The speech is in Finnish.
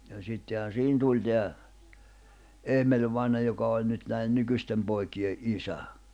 ja sittenhän siihen tuli tämä Emel-vainaja joka oli nyt näiden nykyisten poikien isä